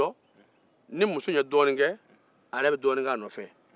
ni muso in ye dɔɔnin ke a yɛrɛ be dɔɔnin kɛ nɔfɛ